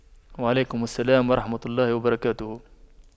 وعليكم السلام ورحمة الله وبركاته